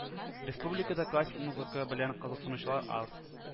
Республикада классик музыка белән кызыксынучылар аз